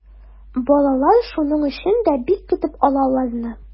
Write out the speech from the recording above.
Балалар шуның өчен дә бик көтеп ала аларны.